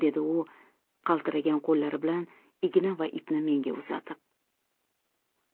dedi u qaltiragan qo'llari bilan igna va ipni menga uzatib